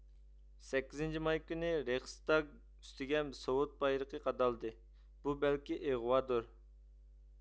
سەككىزىنچى ماي كۈنى رېخىستاگ ئۈستىگە سوۋېت بايرىقى قادالدى بۇ بەلكى ئىغۋادۇر